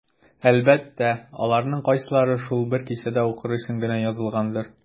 Әлбәттә, аларның кайсылары шул бер кичәдә укыр өчен генә язылгандыр.